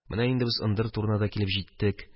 Менә инде без ындыр турына да килеп җиттек.